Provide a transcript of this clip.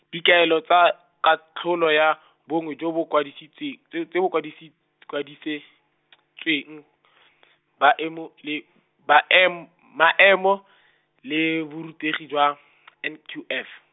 dikaelo tsa, katlholo ya, bongwe jo bo kwadisitsweng tse tse bo kwadisi-, kwadisit- -tsweng , baemo le , baem-, maemo , le borutegi jwa, N Q F.